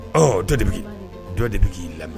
Ɔ dɔ de bɛ dɔ de bɛ k'i lamɛninɛ